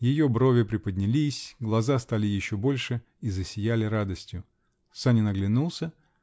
Ее брови приподнялись, глаза стали еще больше и засияли радостью. Санин оглянулся.